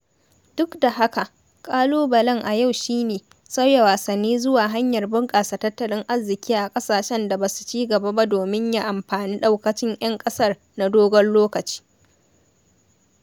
Duk da haka, ƙalubalen a yau shi ne sauya wasanni zuwa hanyar bunƙasa tattalin arziƙi a ƙasashen da ba su ci gaba ba domin ya amfani daukacin ‘yan ƙasa na dogon lokaci.